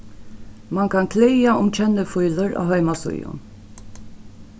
mann kann klaga um kennifílur á heimasíðum